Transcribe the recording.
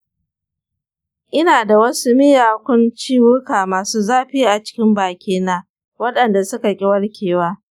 ina da wasu miyakun ciwuka masu zafi a cikin bakina waɗanda suka ƙi warkewa.